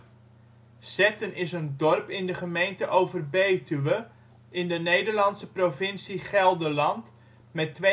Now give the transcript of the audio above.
Zetten is een dorp in de gemeente Overbetuwe, in de Nederlandse provincie Gelderland met 5250